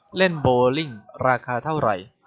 เล่นโบว์ลิ่งราคาเท่าไหร่